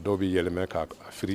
Dɔw b'i yɛlɛmɛ k'a a firi